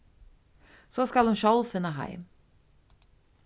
so skal hon sjálv finna heim